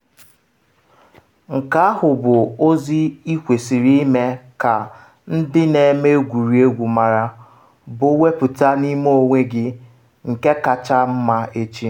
Nke ahụ bụ ozi ịkwesịrị ime ka ndị na-eme egwuregwu mara, bụ wepụta n’ime onwe gị nke kacha mma echi.